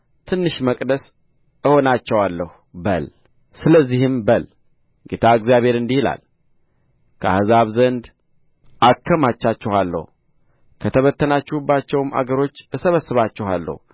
ትንሽ መቅደስ እሆናቸዋለሁ በል ስለዚህም በል ጌታ እግዚአብሔር እንዲህ ይላል ከአሕዛብ ዘንድ አከማቻችኋለሁ ከተበተናችሁባቸውም አገሮች እሰበስባችኋለሁ